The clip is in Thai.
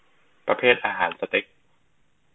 ประเภทอาหารเสต๊ก